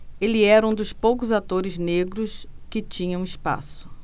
ele era um dos poucos atores negros que tinham espaço